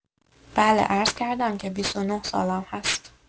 بله، عرض کردم که ۲۹ سالم هست